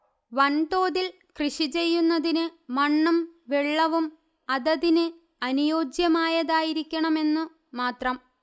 വൻതോതിൽ കൃഷിചെയ്യുന്നതിന് മണ്ണും വെള്ളവും അതതിന് അനുയോജ്യമായതായിരിക്കണമെന്നു മാത്രം